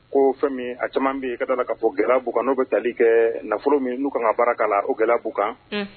Ko fɛn min a caman bɛ yen ka ka fɔ g bu kan n'o bɛ tali kɛ nafolo min n'u ka ka baara' la o gɛlɛya fo kan